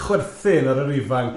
Chwerthin ar yr ifanc.